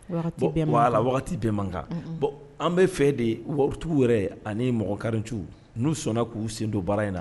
Wagati bɛɛ man kan voila wagati bɛɛ man kan, bon an bɛ fɛ de n'u sɔnna k'u sendo baara in na